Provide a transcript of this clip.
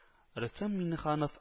Рөстәм Миннеханов